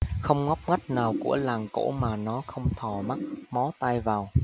không ngóc ngách nào của làng cổ mà nó không thò mắt mó tay vào